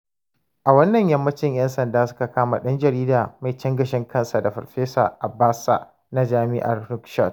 A wannan yammacin 'yan sanda suka kama ɗan jarida mai cin gashin kansa da Farfesa Abbass na Jami'ar Nouakchott.